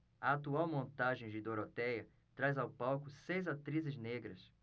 a atual montagem de dorotéia traz ao palco seis atrizes negras